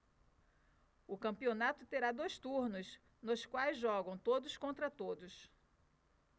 o campeonato terá dois turnos nos quais jogam todos contra todos